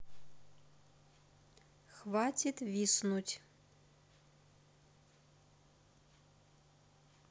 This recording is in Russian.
хватит виснуть